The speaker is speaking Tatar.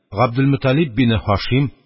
Габделмөталиб бине Һашим,